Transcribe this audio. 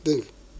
dégg nga